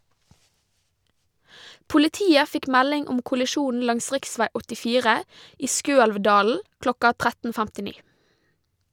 Politiet fikk melding om kollisjonen langs riksvei 84 i Skøelvdalen klokka 13.59.